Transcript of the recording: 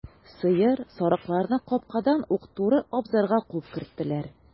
Сыер, сарыкларны капкадан ук туры абзарга куып керттеләр.